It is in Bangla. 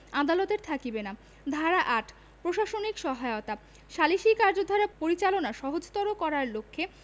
আদালতের থাকিবে না ধারা ৮ প্রশাসনিক সহায়তাঃ সালিসী কার্যধারা পরিচালনা সহজতর করার লক্ষ্যে